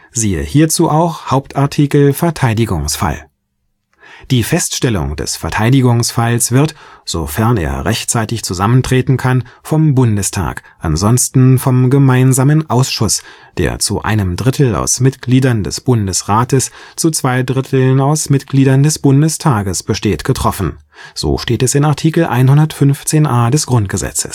→ Hauptartikel: Verteidigungsfall Die Feststellung des Verteidigungsfalls wird, sofern er rechtzeitig zusammentreten kann, vom Bundestag, ansonsten vom Gemeinsamen Ausschuss, der zu einem Drittel aus Mitgliedern des Bundesrates, zu zwei Dritteln aus Mitgliedern des Bundestages besteht, getroffen (Art. 115a GG